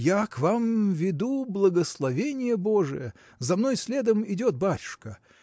Я к вам веду благословение божие: за мной следом идет батюшка.